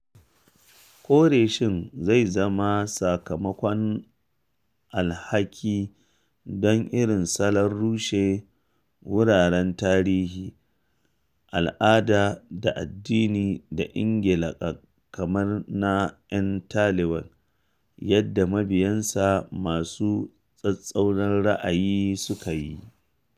Kore shin zai zama sakamakon alhaki don irin salon rushe wuraren tarihi, al’ada da addini na Ingila kamar na ‘yan Taliban yadda mabiyansa masu tsatstsauran ra’ayi suka yi.